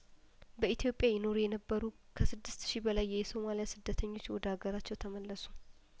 በኢትዮጵያ ይኖሩ የነበሩ ከስድስት ሺ በላይ የሶማሊያ ስደተኞች ወደ አገራቸው ተመለሱ